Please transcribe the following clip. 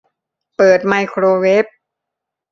เปิดไมโครเวฟ